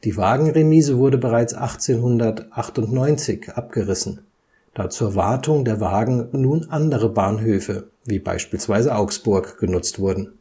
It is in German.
Wagenremise wurde bereits 1898 abgerissen, da zur Wartung der Wagen nun andere Bahnhöfe wie beispielsweise Augsburg genutzt wurden